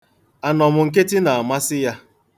Anọmnkịtị na-amasị ya.